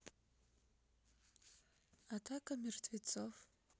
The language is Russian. атака мертвецов